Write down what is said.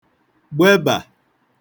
gbebà